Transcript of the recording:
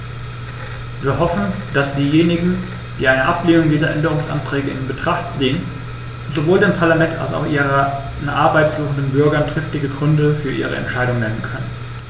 Wir hoffen, dass diejenigen, die eine Ablehnung dieser Änderungsanträge in Betracht ziehen, sowohl dem Parlament als auch ihren Arbeit suchenden Bürgern triftige Gründe für ihre Entscheidung nennen können.